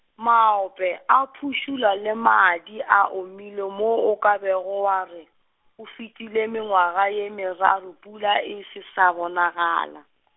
maope a phušula le madi a omile mo o ka bego wa re, go fetile mengwaga ye meraro pula e se sa bonagala.